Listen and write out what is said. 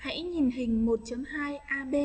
hãy nhìn hình chấm ab